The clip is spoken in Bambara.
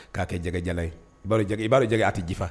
K'a kɛ jɛgɛjalan ye, i b'a jɛ a tɛ jifa